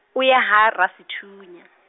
o ya ha Rasethunya.